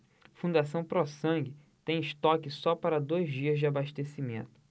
fundação pró sangue tem estoque só para dois dias de abastecimento